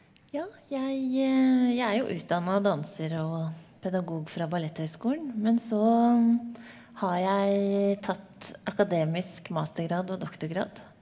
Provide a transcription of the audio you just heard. ja jeg jeg er jo utdanna danser og pedagog fra Balletthøgskolen, men så har jeg tatt akademisk mastergrad og doktorgrad.